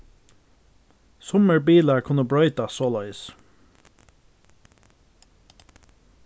summir bilar kunnu broytast soleiðis